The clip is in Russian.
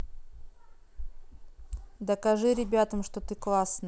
докажи ребятам что ты классная